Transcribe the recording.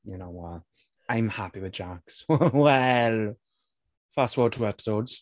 You know what, I'm happy with Jacques. Well, fast forward two episodes.